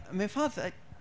mewn ffordd y...